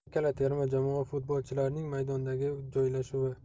ikkala terma jamoa futbolchilarining maydondagi joylashuvi